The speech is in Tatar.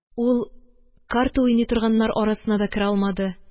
Ул карта уйный торганнар арасына да керә алмады